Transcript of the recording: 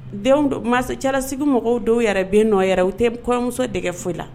Mansala segu mɔgɔw dɔw yɛrɛ bɛ nɔ yɛrɛ u tɛ kɔɲɔmuso dɛgɛ foyi la